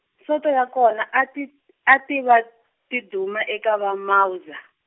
Sonto ya kona a ti , a ti va, tiduma eka va Mauzer.